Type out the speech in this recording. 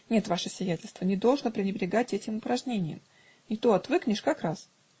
Нет, ваше сиятельство, не должно пренебрегать этим упражнением, не то отвыкнешь как раз.